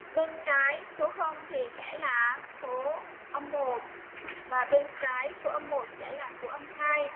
bên trái số thì sẽ là số âm vào bên trái của một sẽ là số âm hay